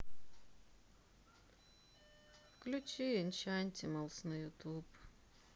включи энчантималс на ютуб